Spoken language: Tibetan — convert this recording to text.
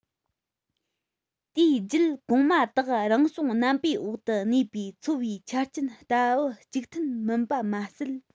དེའི རྒྱུད གོང མ དག རང བྱུང རྣམ པའི འོག ཏུ གནས པའི འཚོ བའི ཆ རྐྱེན ལྟ བུར གཅིག མཐུན མིན པ མ ཟད